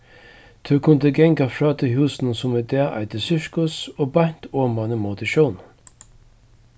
tú kundi ganga frá tí húsinum sum í dag eitur sirkus og beint oman í móti sjónum